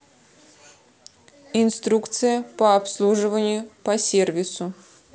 инструкция по обслуживанию по сервису